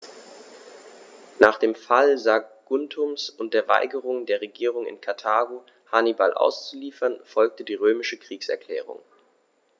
Nach dem Fall Saguntums und der Weigerung der Regierung in Karthago, Hannibal auszuliefern, folgte die römische Kriegserklärung.